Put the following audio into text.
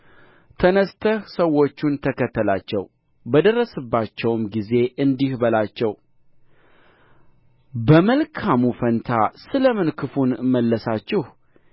ተነሥተህ ሰዎቹን ተከተላቸው በደረስህባቸውም ጊዜ እንዲህ በላቸው በመልካሙ ፋንታ ስለ ምን ክፉን መለሳችሁ